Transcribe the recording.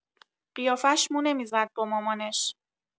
قیافش مو نمی‌زد با مامانش